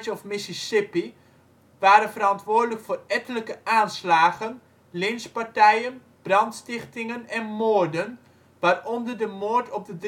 of Mississippi waren verantwoordelijk voor ettelijke aanslagen, lynchpartijen, brandstichtingen en moorden, waaronder de moord op de